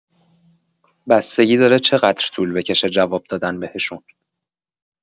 بستگی داره چقدر طول بکشه جواب دادن بهشون